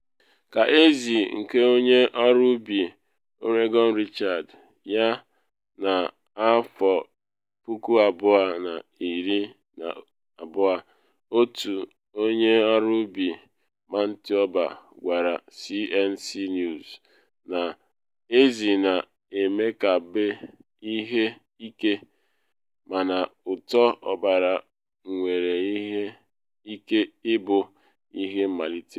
Ka ezi nke onye ọrụ ubi Oregon richara ya na 2012, otu onye ọrụ ubi Mantioba gwara CNC News na ezi na emekabe ihe ike mana ụtọ ọbara nwere ike ịbụ “ihe mkpalite.”